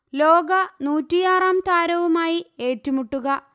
ലോക നൂറ്റിയാറാം താരവുമായി ഏറ്റുമുട്ടുക